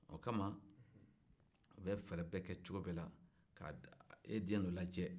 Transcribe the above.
o kama u bɛ fɛɛrɛ bɛɛ cɔgɔ bɛɛ la ka e den dɔ lajɛ